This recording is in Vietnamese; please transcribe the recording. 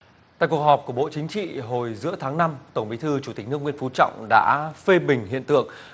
tại cuộc họp của bộ chính trị hồi giữa tháng năm tổng bí thư chủ tịch nước nguyễn phú trọng đã phê bình hiện tượng